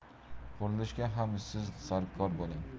qurilishiga ham siz sarkor bo'ling